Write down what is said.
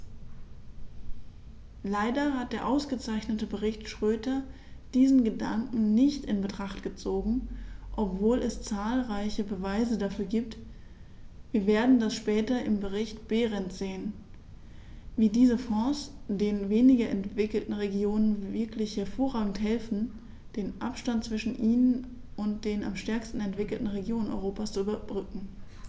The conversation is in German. Leider hat der ausgezeichnete Bericht Schroedter diesen Gedanken nicht in Betracht gezogen, obwohl es zahlreiche Beweise dafür gibt - wir werden das später im Bericht Berend sehen -, wie diese Fonds den weniger entwickelten Regionen wirklich hervorragend helfen, den Abstand zwischen ihnen und den am stärksten entwickelten Regionen Europas zu überbrücken.